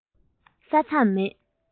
ས མཚམས མེད